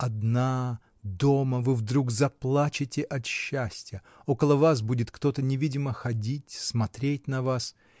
— Одна, дома, вы вдруг заплачете от счастья: около вас будет кто-то невидимо ходить, смотреть на вас.